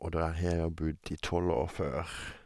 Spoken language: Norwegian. Og der har jeg bodd i tolv år før.